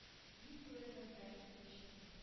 Мин күрермен, бәлки, кечесен?